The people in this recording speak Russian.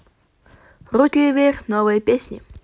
руки вверх новые песни